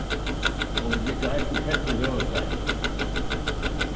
og vit liggja eisini tætt við høvuðsstaðin